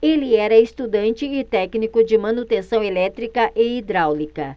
ele era estudante e técnico de manutenção elétrica e hidráulica